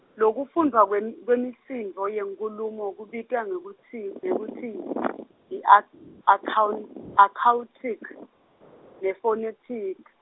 Lokufundvwa kwem- kwemisindvo yenkhulumo kubitwa ngekutsi , ngekutsi yi-acc- accoun- accoutic nephonetics.